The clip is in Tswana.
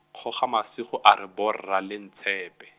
Kgogamasigo a re borra le ntshepe.